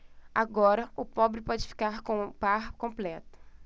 agora o pobre pode ficar com o par completo